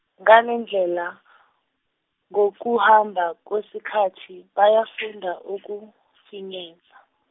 ngalendlela , ngokuhamba kwesikhathi bayafunda ukufinyeza.